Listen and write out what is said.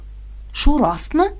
shu rostmi